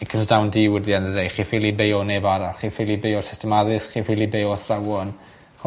it comes down to you at the end of the day chi ffili beio neb arall chi'n ffili geio'r system addysg chi'n ffili beio athrawon.